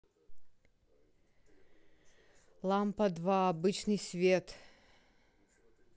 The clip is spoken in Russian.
лампа два обычный свет